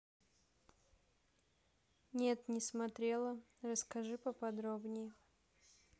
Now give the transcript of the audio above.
нет не смотрела расскажи поподробнее